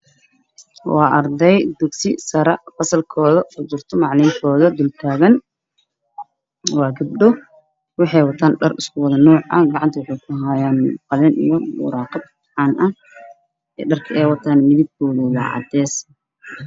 Waa arday dugsi sare fasalkooda mu jirta macalinkooda duul taagan waa gebdho wexey watan dhar isku wada nuuca gacanta wexey ku haayaan qalmaan iyo warqad imtixaan misabkoodu waa cadees